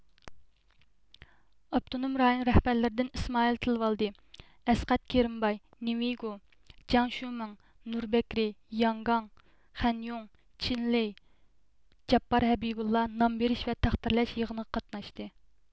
ئاپتونوم رايون رەھبەرلىرىدىن ئىسمائىل تىلىۋالدى ئەسقەت كىرىمباي نىۋېيگو جاڭ شيۇمىڭ نۇر بەكرى ياڭگاڭ خەنيوڭ چېن لېي جاپپار ھەبىبۇللا نام بېرىش ۋە تەقدىرلەش يىغىنىغا قاتناشتى